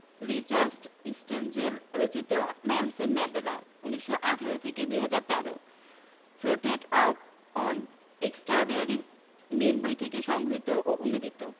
Richard Stengel রচিত Nelson Mandela ১৯১৮ ২০১৩ portrait of an extraordinary man বই থেকে সংগৃহীত ও অনূদিত